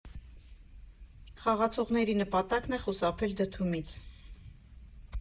Խաղացողների նատակն է խուսափել դդումից։